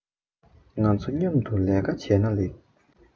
ང ཚ མཉམ དུ ལས ཀ བྱས ན ལེགས